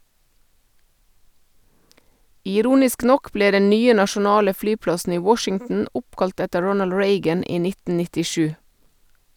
Ironisk nok ble den nye nasjonale flyplassen i Washington oppkalt etter Ronald Reagan i 1997.